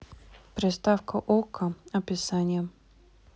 приставка окко описание